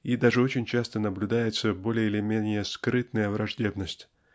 и даже очень часто наблюдается более или менее скрытая враждебность